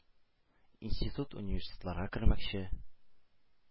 Институт-университетларга кермәкче.